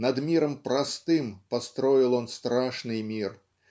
Над миром простым построил он страшный мир.